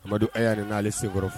Amadu Aya nan'ale senkɔrɔ